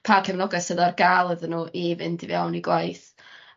pa cefnogaeth sydd ar ga'l iddyn n'w i fynd i fewn i gwaith.